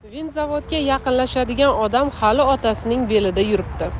vinzavodga yaqinlashadigan odam hali otasining belida yuribdi